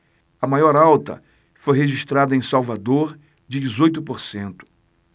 a maior alta foi registrada em salvador de dezoito por cento